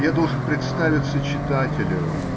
Я должен представиться читателю.